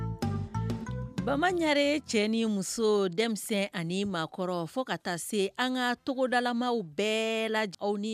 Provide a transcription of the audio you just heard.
Bamananre cɛ ni muso denmisɛnnin ani maakɔrɔ fo ka taa se an ka togodalamamaw bɛɛ la aw